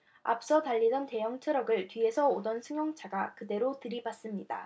앞서 달리던 대형 트럭을 뒤에서 오던 승용차가 그대로 들이받습니다